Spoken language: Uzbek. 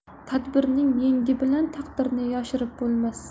tadbirning yengi bilan taqdirni yashirib bo'lmas